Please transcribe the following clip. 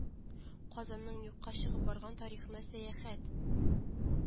Казанның юкка чыгып барган тарихына сәяхәт